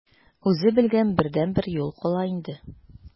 Үзе белгән бердәнбер юл кала инде.